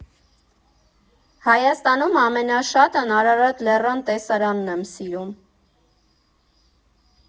Հայաստանում ամենաշատն Արարատ լեռան տեսարանն եմ սիրում։